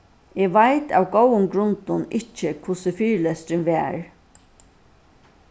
eg veit av góðum grundum ikki hvussu fyrilesturin var